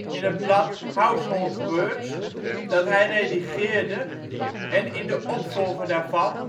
in het blad Household Words dat hij redigeerde en in de opvolger daarvan